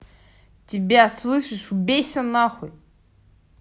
тебя слышь убейся нахуй